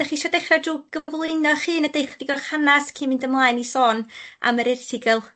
'Dach chi isio dechrau drw gyflwyno'ch hun a deu chdig o'ch hanas cyn mynd ymlaen i sôn am yr erthygyl?